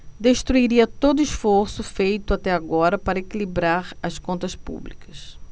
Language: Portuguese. destruiria todo esforço feito até agora para equilibrar as contas públicas